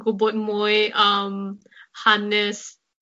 gwbod mwy am hanes